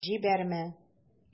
Җибәрмә...